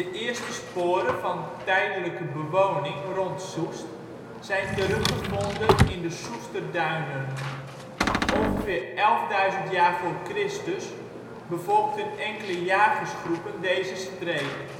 eerste sporen van (tijdelijke) bewoning rond Soest zijn teruggevonden in de Soester Duinen. Ongeveer 11.000 jaar voor Christus bevolkten enkele jagersgroepen deze streek. De vondsten